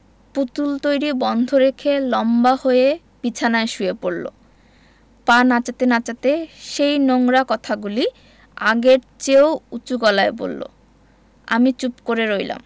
পুতুল তৈরী বন্ধ রেখে লম্বা হয়ে বিছানায় শুয়ে পড়লো পা নাচাতে নাচাতে সেই নোংরা কথাগুলি আগের চেয়েও উচু গলায় বললো আমি চুপ করে রইলাম